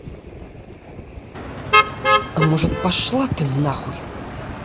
а может пошла ты нахуй